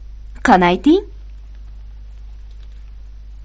qani ayting